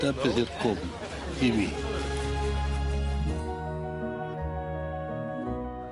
Dyna beth yw'r cwm i fi.